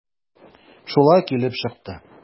Шулай килеп чыкты.